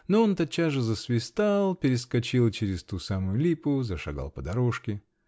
но он тотчас же засвистал, перескочил через ту самую липу, зашагал по дорожке.